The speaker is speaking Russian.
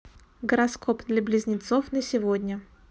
гороскоп для близнецов на сегодня